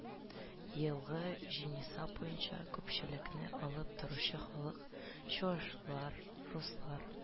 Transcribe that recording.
Елгы җанисәп буенча күпчелекне алып торучы халык: чуашлар, руслар